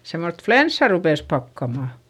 semmoista flunssaa rupesi pakkamaan